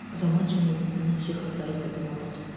Заманча медицина җиһазлары сатып алдык.